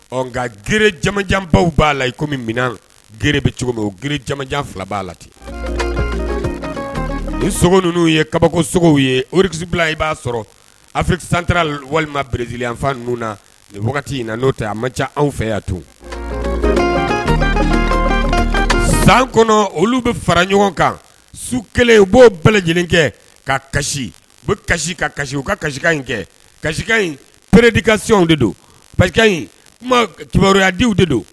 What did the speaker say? Ɔ nka gjajan baw b'a la i kɔmi min g bɛ cogo min girinjajan fila b'a la ten ni sogo ninnu ye kabako sogow ye osi bila i b'a sɔrɔ afi san walimazfan ninnu na nin wagati in na n'o a ma ca anw fɛ yan tun san kɔnɔ olu bɛ fara ɲɔgɔn kan su kelen u b'o bɛɛ lajɛlen kɛ ka kasi u bɛ kasi ka kasi u ka kasikakan ɲi kɛ kasika in pereredi kasiw de don paka ɲi kuma kibaruyayadiw de don